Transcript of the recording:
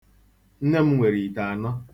Nne m nwere ite anọ.